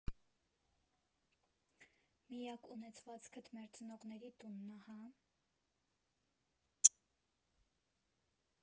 Միակ ունեցվածքդ մեր ծնողների տունն ա, հա՞։